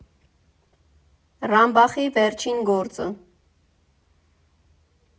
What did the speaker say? Ռամբախի վերջին գործը։